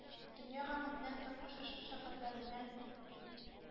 Дөнья гаменнән, тормыш, эш мәшәкатьләреннән